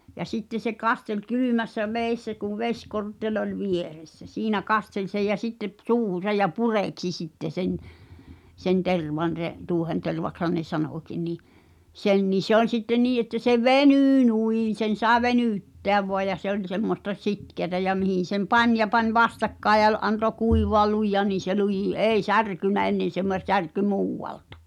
ja sitten se kasteli kylmässä vedessä kun vesikortteli oli vieressä siinä kasteli sen ja sitten - suuhunsa ja pureksi sitten sen sen tervan se tuohentervaksihan ne sanoikin niin sen niin se oli sitten niin että se venyy noin sen sai venyttää vain ja se oli semmoista sitkeää ja mihin sen pani ja pani vastakkain ja - antoi kuivaa lujaan niin se luji ei särkynyt ennen se - särkyi muualta